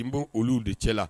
Nbbo olu de cɛla la